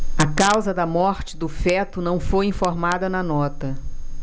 a causa da morte do feto não foi informada na nota